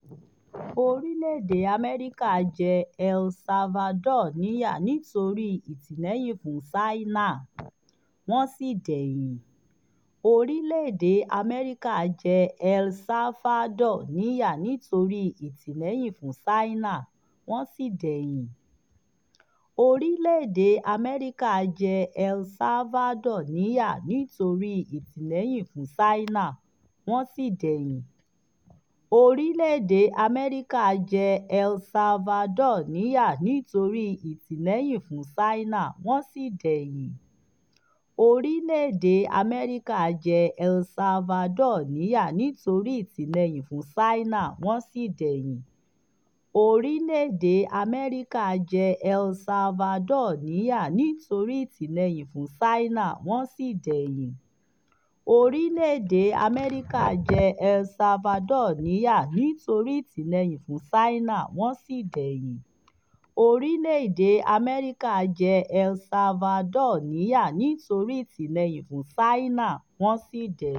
Orílẹ̀-èdè Amẹ́ríkà jẹ́ El Salvador níyà nítorí Ìtìlẹ́yìn fún Ṣáínà, Wọ́n sì dẹ̀yìn.